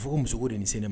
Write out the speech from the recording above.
Fo fɔ muso de nin ni sen ma